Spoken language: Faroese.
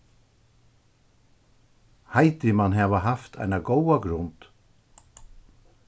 heidi man hava havt eina góða grund